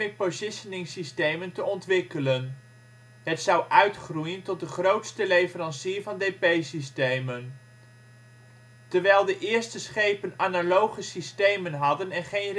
positioning-systemen te ontwikkelen. Het zou uitgroeien tot de grootste leverancier van dp-systemen. Terwijl de eerste schepen analoge systemen hadden en geen